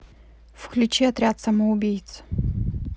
включи отряд самоубийц